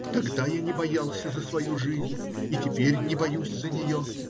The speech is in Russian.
Тогда я не боялся за свою жизнь и теперь не боюсь за нее.